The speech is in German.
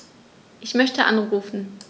Ich möchte anrufen.